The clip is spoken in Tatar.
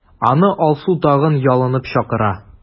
Аны Алсу тагын ялынып чакыра.